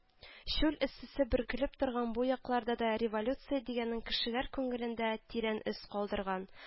Чүл эссесе бөркелеп торган бу якларда да революция дигәнең кешеләр күңелендә тирән эз калдырган